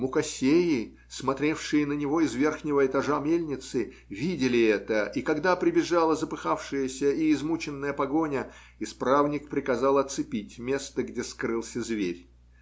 Мукосеи, смотревшие на него из верхнего этажа мельницы, видели это, и когда прибежала запыхавшаяся и измученная погоня, исправник приказал оцепить место, где скрылся зверь.